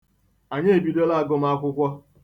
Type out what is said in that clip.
Anyị bidola agụmakwụkwọ.